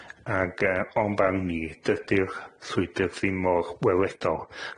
ag yy o'n barn ni, dydi'r llwybyr ddim mor weledol.